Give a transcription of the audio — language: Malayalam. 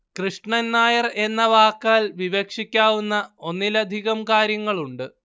കൃഷ്ണൻ നായർ എന്ന വാക്കാൽ വിവക്ഷിക്കാവുന്ന ഒന്നിലധികം കാര്യങ്ങളുണ്ട്